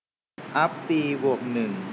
อัพตีบวกหนึ่ง